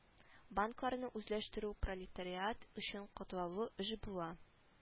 Банкларны үзләштерү пролетариат өчен катлаулы эш була